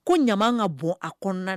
Ko ɲama ka bɔn a kɔnɔna